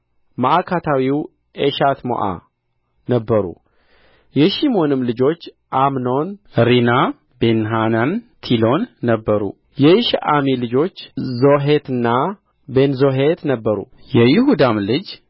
ማዕካታዊው ኤሽትሞዓ ነበሩ የሺሞንም ልጆች አምኖን ሪና ቤንሐናን ቲሎን ነበሩ የይሽዒም ልጆች ዞሔትና ቢንዞሔት ነበሩ የይሁዳም ልጅ